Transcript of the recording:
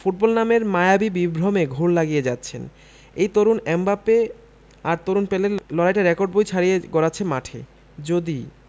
football নামের মায়াবী বিভ্রমে ঘোর লাগিয়ে যাচ্ছেন এই তরুণ এমবাপ্পে আর তরুণ পেলের লড়াইটা রেকর্ড বই ছাড়িয়ে গড়াচ্ছে মাঠে